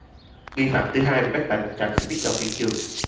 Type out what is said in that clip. nghi phạm thứ hai bị bắt tại một trạm xe buýt gần hiện trường